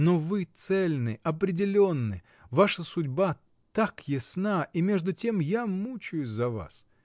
Но вы цельны, определенны, ваша судьба так ясна, и между тем я мучаюсь за вас.